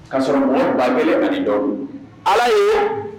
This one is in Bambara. K kaa sɔrɔ ba kelen ani dɔn ala ye ye